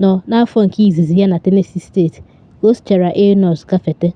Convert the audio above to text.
nọ n’afọ nke izizi ya na Tennessee State ka o sichara Illinois gafete.